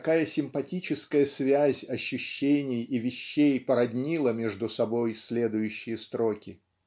какая симпатическая связь ощущений и вещей породнила между собой следующие строки